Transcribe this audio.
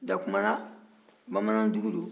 dakumana bamanan dugu don